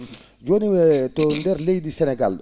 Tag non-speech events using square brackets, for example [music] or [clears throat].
jooni e to ndeer leydi [clears throat] Sénégal ?o